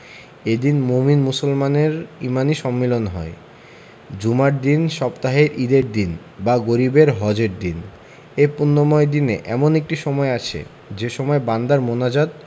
এদিন মোমিন মুসলমানদের ইমানি সম্মিলন হয় জুমার দিন সপ্তাহের ঈদের দিন বা গরিবের হজের দিন এ পুণ্যময় দিনে এমন একটি সময় আছে যে সময় বান্দার মোনাজাত